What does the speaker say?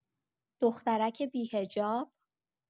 دخترک بی‌حجاب!